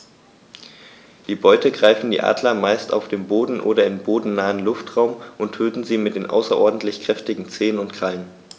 Die Beute greifen die Adler meist auf dem Boden oder im bodennahen Luftraum und töten sie mit den außerordentlich kräftigen Zehen und Krallen.